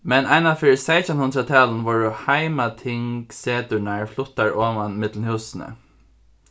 men einaferð í seytjanhundraðtalinum vórðu heimatingseturnar fluttar oman millum húsini